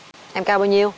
em cao bao nhiêu